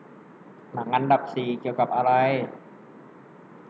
หนังอันดับสี่เกี่ยวกับอะไร